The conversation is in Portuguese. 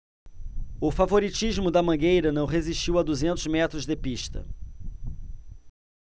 o favoritismo da mangueira não resistiu a duzentos metros de pista